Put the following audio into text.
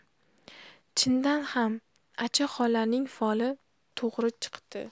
chindan ham acha xolaning foli to'g'ri chiqdi